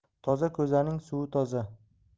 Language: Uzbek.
toza ko'zaning suvi toza